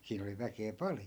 siinä oli väkeä paljon